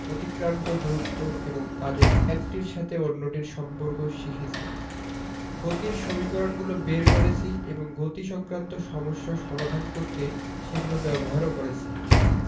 অতিক্রান্ত দূরত্ব এবং তাদের একটির সাথে অন্যটির সম্পর্ক শিখেছি গতির সমীকরণগুলো বের করেছি এবং গতিসংক্রান্ত সমস্যা সমাধান করতে সেগুলো ব্যবহারও করেছি